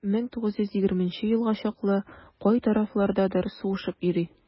1920 елга чаклы кай тарафлардадыр сугышып йөри.